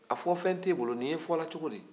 a fɔ fɛn t'e bolo nin bɛ fɔ cogo di